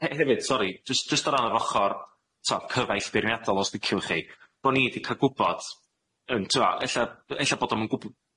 He- hefyd, sori, jyst- jyst o ran yr ochor t'o cyfaill beirniadol os liciwch chi, bo ni 'di ca'l gwbod yn t'mo, ella ella bod o'm yn gwbwl